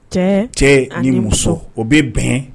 Cɛ ni muso o bɛ bɛn